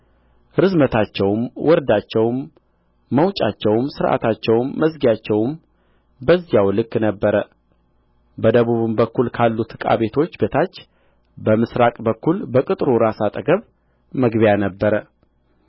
ርዝመታቸውም ወርዳቸውም መውጫቸውም ሥርዓታቸውም መዝጊያዎቻቸውም በዚያው ልክ ነበረ በደቡብም በኩል ካሉት ዕቃ ቤቶች በታች በምሥራቅ በኩል በቅጥሩ ራስ አጠገብ መግቢያ ነበረ